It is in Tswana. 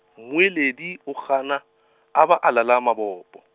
mmueledi o gana, a ba a lala mabopo.